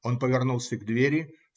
Он повернулся к двери.